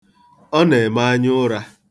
Ọ na-eme anyaụra